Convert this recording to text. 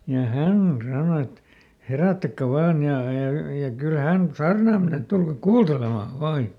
ja hän sanoi että herättäkää vain ja ja ja kyllä hän saarnaamaan menee että tulkaa kuuntelemaan vain ja